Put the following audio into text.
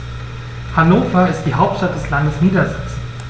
Hannover ist die Hauptstadt des Landes Niedersachsen.